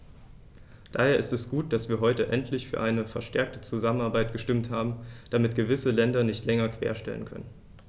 Daher ist es gut, dass wir heute endlich für eine verstärkte Zusammenarbeit gestimmt haben, damit gewisse Länder sich nicht länger querstellen können.